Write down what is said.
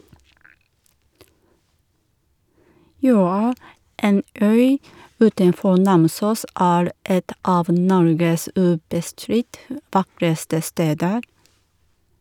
Jøa, en øy utenfor Namsos, er et av Norges ubestridt vakreste steder.